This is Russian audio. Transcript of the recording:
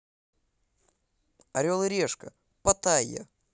орел и решка патайя